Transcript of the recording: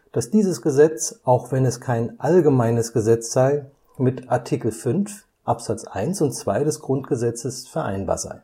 dass dieses Gesetz, auch wenn es kein allgemeines Gesetz sei, mit Art. 5 Abs. 1 und 2 GG vereinbar sei